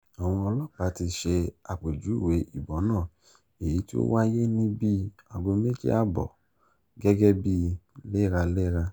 Àwọn ọlọ́pàá ti ṣe àpèjúwe ìbọn náà, èyí tí ó wáyé ní bíi 02:30 BST, gẹ́gẹ́bí "léraléra".